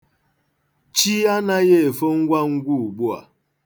Chi anaghị efo ngwa ngwa ugbua.